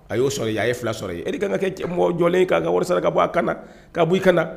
A yo sɔri a ye fila sɔrɔ e kan ka kɛ mɔgɔ jɔlen ye ka wari sara ka bɔ a kanna ka bɔ i kanna.